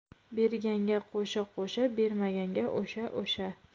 berganga qo'sha qo'sha bermaganga o'sha o'sha